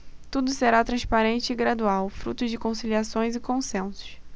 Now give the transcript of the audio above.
tudo será transparente e gradual fruto de conciliações e consensos